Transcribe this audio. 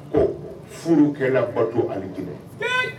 Ɔ furu kɛra bato ani jumɛn